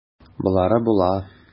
Болары була.